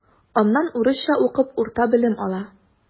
Аннан урысча укып урта белем ала.